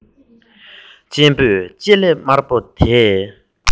གཅེན པོས ལྕེ ལེབ དམར པོ དེས